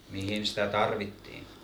mihin sitä tarvittiin